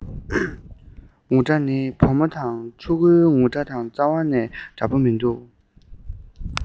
ངུ སྒྲ ནི བུ མོ དང ཕྲུ གུའི ངུ སྒྲ དང རྩ བ ནས འདྲ པོ མི འདུག